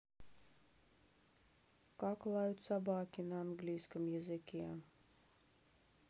как лают собаки на английском языке